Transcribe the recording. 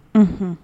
Unhun